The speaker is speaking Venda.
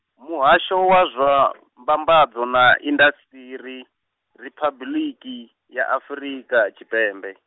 Muhasho wa zwa, Mbambadzo na indasiṱiri, Riphabuḽiki, ya Afrika Tshipembe.